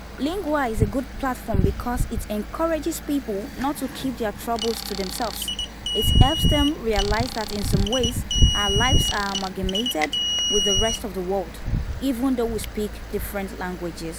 Lingua is a good platform because it encourages people not to keep their troubles to themselves, it helps them realize that in some ways our lives are amalgamated with the rest of the world, even though we speak different languages.